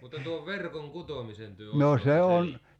mutta tuon verkon kutomisen te osaatte selittää